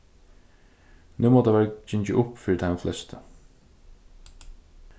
nú má tað vera gingið upp fyri teimum flestu